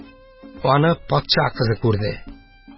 Аны патша кызы күрде.